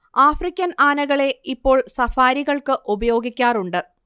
African ആനകളെ ഇപ്പോൾ സഫാരികൾക്ക് ഉപയോഗിക്കാറുണ്ട്